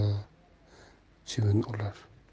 o'rtada chivin o'lar